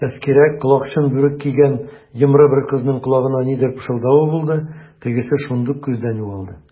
Тәзкирә колакчын бүрек кигән йомры бер кызның колагына нидер пышылдавы булды, тегесе шундук күздән югалды.